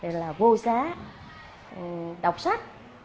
là vô giá ừm đọc sách